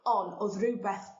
on' o'dd rywbeth